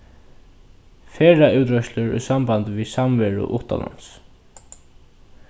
ferðaútreiðslur í sambandi við samveru uttanlands